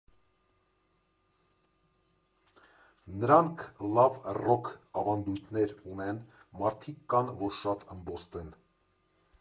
Նրանք լավ ռոք ավանդույթներ ունեն, մարդիկ կան, որ շատ ըմբոստ են։